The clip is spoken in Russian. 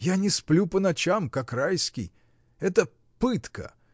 Я не сплю по ночам, как Райский. Это пытка!